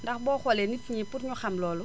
ndax boo xoolee nit ñi pour ñu xam loolu